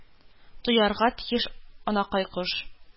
Тоярга тиеш анакай кош...